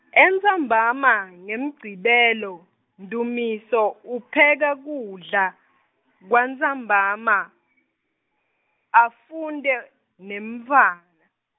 Entsambama, ngeMgcibelo, Ndumiso, upheka kudla , kwantsambama , afunte, nemntfwana.